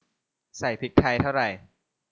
ใส่พริกไทยเท่าไร